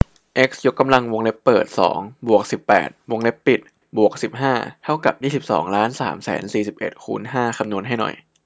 เอ็กซ์ยกกำลังวงเล็บเปิดสองบวกสิบแปดวงเล็บปิดบวกสิบห้าเท่ากับยี่สิบสองล้านสามแสนสี่สิบเอ็ดคูณห้าคำนวณให้หน่อย